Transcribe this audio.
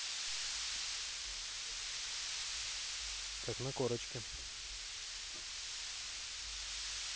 как на корочке